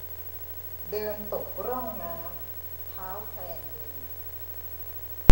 เดินตกร่องน้ำเท้าแพลงเลย